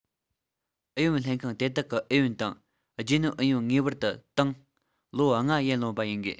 ཨུ ཡོན ལྷན ཁང དེ དག གི ཨུ ཡོན དང རྗེས སྣོན ཨུ ཡོན ངེས པར དུ ཏང ལོ ལྔ ཡན ལོན པ ཡིན དགོས